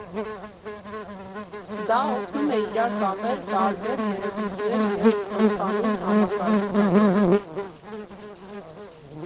Դա օգնում է իրար կապել տարբեր երևույթներ և ընդհանուր համակարգ ստանալ։